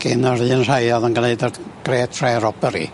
Gyn yr un rhai o'dd yn gneud y Great Train Robbery